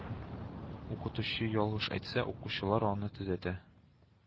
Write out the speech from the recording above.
Укытучы ялгыш әйтсә укучылар аны төзәтә